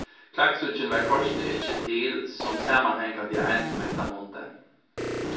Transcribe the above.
klaksvíkin var kortini ikki til sum samanhangandi eind um hetta mundið